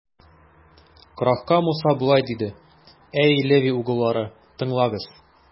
Корахка Муса болай диде: Әй Леви угыллары, тыңлагыз!